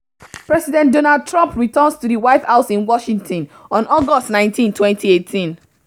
President Donald Trump returns to the White House in Washington on August 19, 2018.